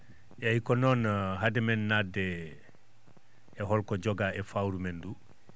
eeyi kono noon hade men nadde e holko jogaa e fawru men ndu